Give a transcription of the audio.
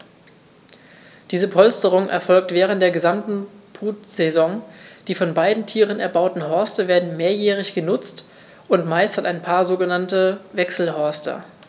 Diese Polsterung erfolgt während der gesamten Brutsaison. Die von beiden Tieren erbauten Horste werden mehrjährig benutzt, und meist hat ein Paar mehrere sogenannte Wechselhorste.